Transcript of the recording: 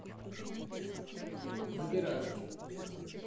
выбирашки